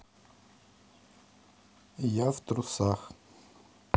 я в трусах